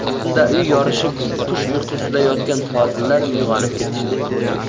yarim tunda uy yorishib qush uyqusida yotgan fozillar uyg'onib ketishdi